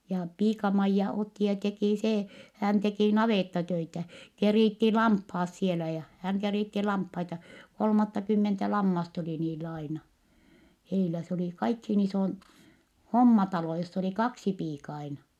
ja piika-Maija otti ja teki se hän teki navettatöitä keritsi lampaat siellä ja hän keritsi lampaita kolmattakymmentä lammasta oli niillä aina heillä se oli kaikkein isoin hommatalo jossa oli kaksi piikaa aina